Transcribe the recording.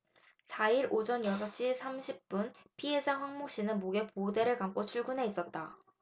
사 일 오전 여섯 시 삼십 분 피해자 황모씨는 목에 보호대를 감고 출근해 있었다